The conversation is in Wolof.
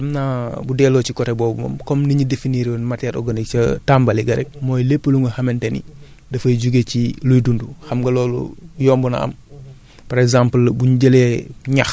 merci beaucoup xam naa bu delloo ci côté boobu moom comme ni ñu définir woon matière organique ca tàmbali ga rekk mooy lépp lu nga xamante ni dafay jugee ci luy dund xam nga loolu yomb na am